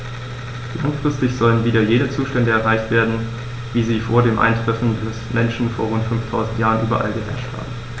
Langfristig sollen wieder jene Zustände erreicht werden, wie sie vor dem Eintreffen des Menschen vor rund 5000 Jahren überall geherrscht haben.